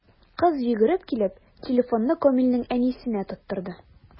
Кыз, йөгереп килеп, телефонны Камилнең әнисенә тоттырды.